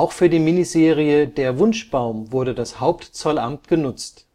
für die Miniserie Der Wunschbaum wurde das Hauptzollamt genutzt